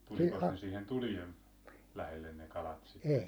tuliko ne siihen tulien lähelle ne kalat sitten